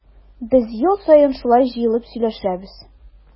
Без ел саен шулай җыелып сөйләшәбез.